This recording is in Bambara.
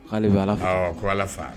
K'ale bɛ Ala fa; Awɔ, ko Ala fa